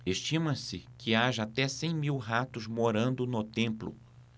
estima-se que haja até cem mil ratos morando no templo